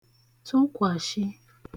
tụkwàshị